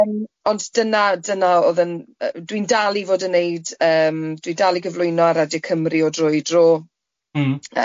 yym ond dyna dyna odd yn yy dwi'n dal i fod yn wneud yym, dwi dal i gyflwyno ar Radio Cymru o dro i dro... M-hm.